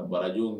Baraj